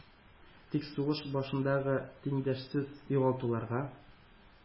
Тик сугыш башындагы тиңдәшсез югалтуларга,